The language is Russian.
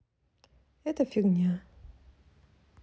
это фигня